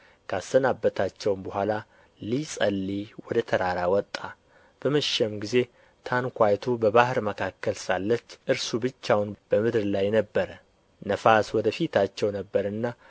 ካሰናበታቸውም በኋላ ሊጸልይ ወደ ተራራ ወጣ በመሸም ጊዜ ታንኳይቱ በባሕር መካከል ሳለች እርሱ ብቻውን በምድር ላይ ነበረ ነፋስ ወደ ፊታቸው ነበረና